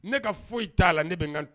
Ne ka foyi t'a la ne bɛ n